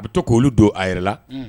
A bɛ to k'olu don a yɛrɛ la